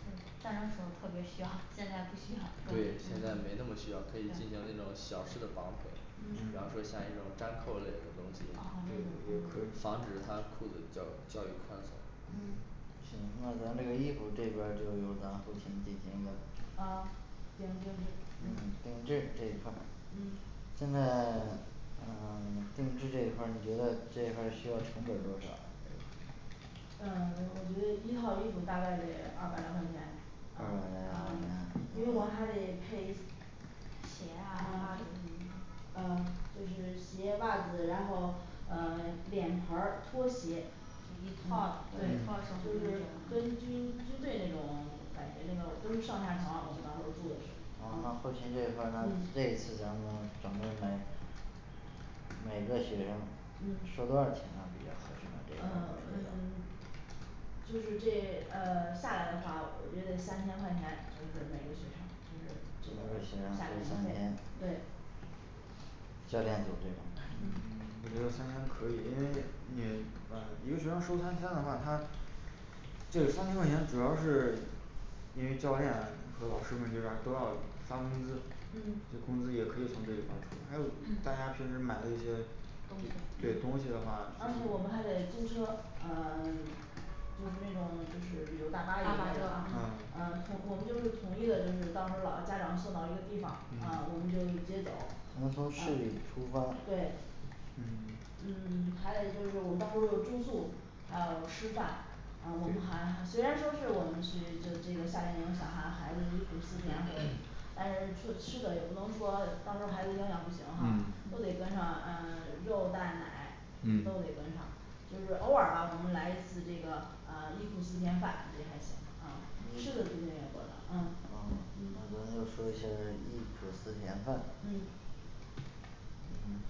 对，战争时候特别需要，现在不需要，对现在没那么需要可以进行那种小式的绑腿，比方说像一种粘扣类的东西，防止他裤子较较为宽松嗯，行，那咱这个衣服这边儿就有咱后勤这边儿弄啊定定定制制，这一嗯块儿，嗯现在 嗯 定制这一块儿你觉得这一块儿需要成本儿多少？嗯 我觉得一套衣服大概得二百来块钱嗯嗯因为我还得配鞋，啊袜啊子什么啊就是鞋袜子然后，呃，脸盆儿，拖鞋就一套对，就是跟军军队那种感觉那个都是上下床，我们到时候儿住的时候儿哦那后勤这一块儿，这一嗯次咱们咱们每每个学生嗯收多少钱呢比较合适呃，嗯就是这呃下来的话，我觉得三千块钱就是每个学生就是这一个学生要个夏令三营费千，对教练组这边儿我嗯觉得三千可以的，因为你嗯一个学生收三千的话，他这三千块钱主要是，因为教练和老师们这边儿都要发工资，这工资嗯也可以从这里边儿出，还有大家嗯平时买的一些东对，东西西的话而且我们还得租车呃 就是那种就是旅游大大巴巴一类车的，嗯嗯，嗯从我们就是统一了，就是到时候儿老师家长送到一个地方，啊，我们就接走，我嗯们从市里出发，，对嗯嗯 还有就是我们到时候住宿，还有吃饭，啊，我们还虽然说是我们去这这个夏令营，小孩孩子忆苦思甜或但是吃吃的也不能说，到时候孩子营养不行哈，都得跟嗯上，嗯肉、蛋、，奶什么都得跟上嗯。就是偶尔吧我们来一次这个嗯忆苦思甜饭这还行，嗯，吃的就这嗯么一个保障。 嗯那咱就说一下儿忆苦思甜饭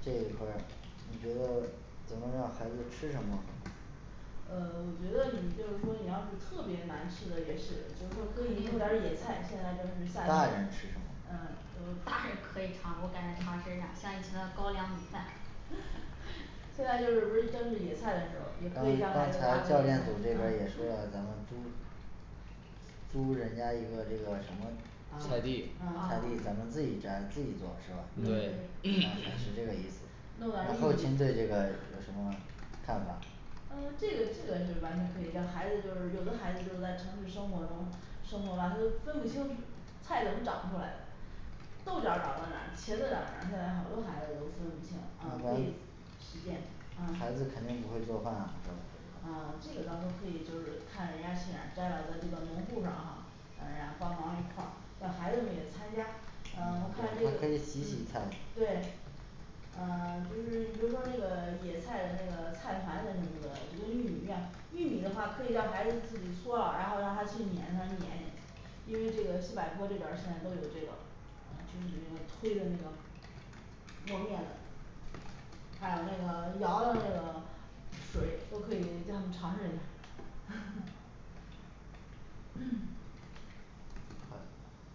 这一块儿你觉得咱们让孩子吃什么？呃，我觉得你就是说你要是特别难吃的，也是就是可以弄点野菜，现在正是夏大天人吃什呃么，嗯大人 可以尝，我感觉尝试一下像以前的高粱米饭 现在就是不正是野菜的时候，也可刚才以让孩刚子才教练组这边儿也说了咱们租租人家一个这个什么，菜菜地地啊，啊，对对，咱们自己摘自己做是吧？是这个意思弄后点勤对儿这个玉有什米么看法嗯这个这个是完全可以叫孩子就是，有的孩子就是在城市生活中生活的，他都分不清是菜怎么长出来的豆角儿长在哪儿，茄子长到哪儿现在好多孩子都分不清啊可以实践啊啊孩，这子肯定不会做饭啊个咱们可以就是看人家去哪儿摘了这个农户这儿哈啊，然后帮忙一块儿，让孩子们也参加，嗯看这个嗯对呃，就是你比如说那个野菜的那个菜坛子什么的，这个玉米面儿，玉米的话可以让孩子自己搓啊，然后让他去碾他碾碾。因为这个西柏坡这边儿现在都有这个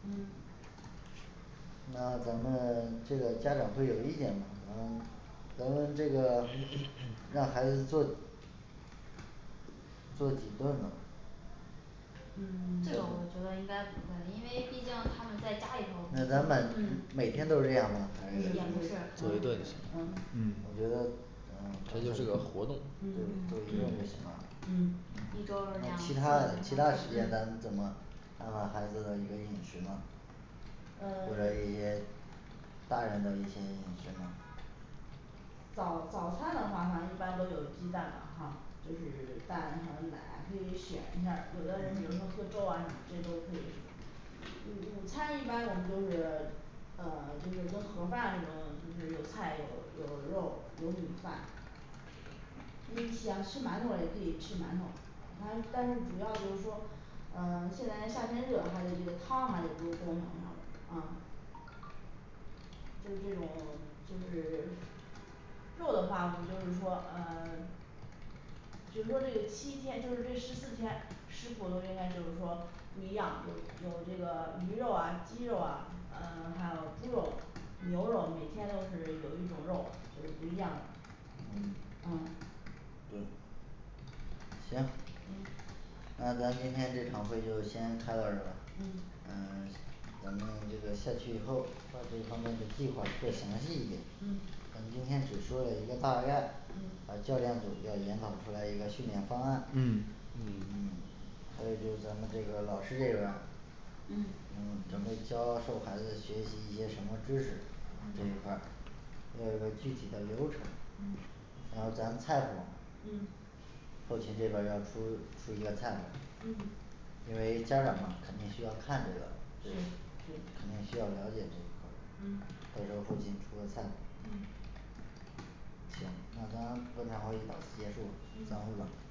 嗯那咱们这个家长会有意见吗？咱们咱们这个让孩子们做做几顿儿呢嗯，这个我觉得应 该不会，因为毕竟他们在家里头不一那样，也咱不每嗯每天都这样吗嗯是，啊肯定不是啊。嗯嗯我觉得它就是个活动对做嗯嗯一嗯顿就行嗯一周儿两了次其他的其他时两间咱三次怎嗯么安排孩子的一个饮食呢或者一些嗯大人的一些饮食呢。早早餐的话反正一般都有鸡蛋的哈、就是蛋和奶可以选一下儿，有的人比如说喝粥啊什么这些都可以什么午午餐一般我们都是呃 就是跟盒儿饭啊什么的，就说有菜有有肉、有米饭，你喜欢吃馒头也可以吃馒头它但是主要就是说，呃 现在夏天热还有这个汤还得多端上啥的啊就是这种 就是 肉的话我们就是说呃 就是说这个七天就是这十四天食谱应该就是说不一样，就有这个鱼肉啊、鸡肉啊，嗯还有猪肉，牛肉每天都是有一种肉就是不一样的嗯嗯行嗯嗯嗯咱们今天只说了一个大概，嗯教练组要研讨出来一个训练方案嗯嗯嗯还有就是咱们这个老师这边儿嗯嗯，准备教授孩子学习一些什么知识这一嗯块儿要有具体的流程。还嗯有咱们菜谱儿嗯后勤这边儿要出出一个菜谱儿嗯因为家长肯定需要看这个，对对肯定需要了解这一块儿，嗯所以说后勤出个菜谱儿嗯行，那咱座谈会到此结束，散会吧嗯